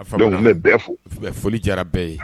A fana foli jara bɛɛ ye